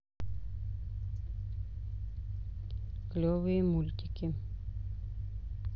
клевые мультики